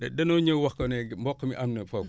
da dañoo ñëw wax ko ne mbow mi am na foofu